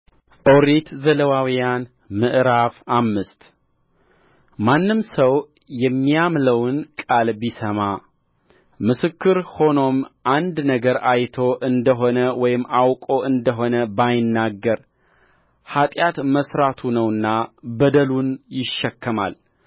ኦሪት ዘሌዋውያን ምዕራፍ አምስት ማንም ሰው የሚያምለውን ቃል ቢሰማ ምስክር ሆኖም አንድ ነገር አይቶ እንደ ሆነ ወይም አውቆ እንደ ሆነ ባይናገር ኃጢአት መሥራቱ ነውና በደሉን ይሸከማል